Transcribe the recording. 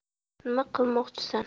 nima qilmoqchisan